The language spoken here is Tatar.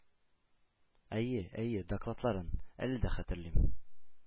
Әйе, әйе, докладларын, әле дә хәтерлим.